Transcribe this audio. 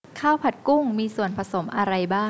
ข้าวผัดกุ้งมีส่วนผสมอะไรบ้าง